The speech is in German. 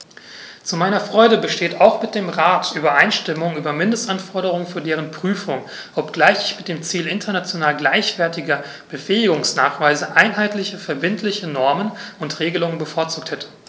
Zu meiner Freude besteht auch mit dem Rat Übereinstimmung über Mindestanforderungen für deren Prüfung, obgleich ich mit dem Ziel international gleichwertiger Befähigungsnachweise einheitliche verbindliche Normen und Regelungen bevorzugt hätte.